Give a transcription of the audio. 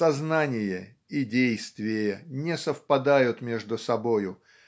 сознание и действие не совпадают между собою